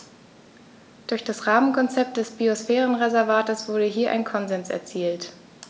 Durch das Rahmenkonzept des Biosphärenreservates wurde hier ein Konsens erzielt.